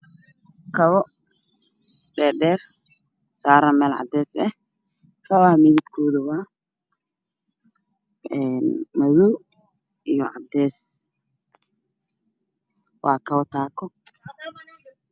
Kobo dhedher saran mel cades ah midabkode waa madow io cades waa kobo taako